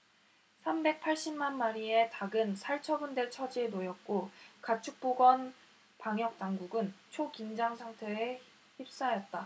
삼백 팔십 만 마리의 닭은 살처분될 처지에 놓였고 가축보건 방역당국은 초긴장 상태에 휩싸였다